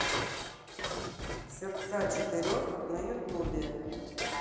сердца четырех на ютубе